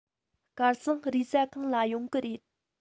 སྐལ བཟང རེས གཟའ གང ལ ཡོང གི རེད